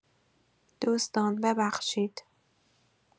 دوستان ببخشید